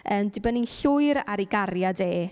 Yn dibynnu'n llwyr ar ei gariad e.